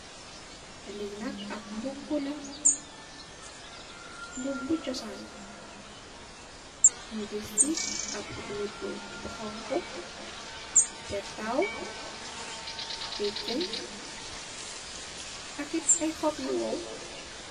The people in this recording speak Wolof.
Linak em bubah laah , bubah chossan, nyu gessi , ab wergo bu xonha, peetaw mbejen , paket ayy hoop yu wuuh.